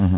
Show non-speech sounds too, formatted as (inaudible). (hesitation) (hesitation)